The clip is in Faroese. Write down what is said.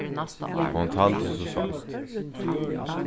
hon taldi so seint